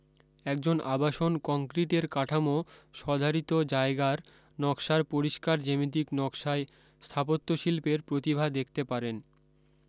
একজন আবাসন কংক্রিটের কাঠামো স্বধারিত জায়গার নকসার পরিষ্কার জ্যামিতিক নকসায় স্থাপত্যশিল্পের প্রতিভা দেখতে পারেন